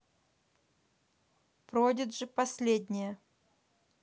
продиджи последнее